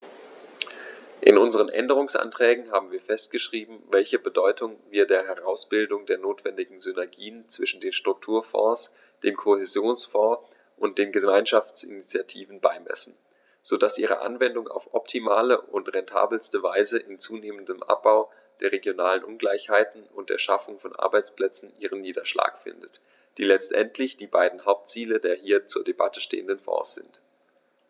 In unseren Änderungsanträgen haben wir festgeschrieben, welche Bedeutung wir der Herausbildung der notwendigen Synergien zwischen den Strukturfonds, dem Kohäsionsfonds und den Gemeinschaftsinitiativen beimessen, so dass ihre Anwendung auf optimale und rentabelste Weise im zunehmenden Abbau der regionalen Ungleichheiten und in der Schaffung von Arbeitsplätzen ihren Niederschlag findet, die letztendlich die beiden Hauptziele der hier zur Debatte stehenden Fonds sind.